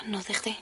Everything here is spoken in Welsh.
Annodd i chdi.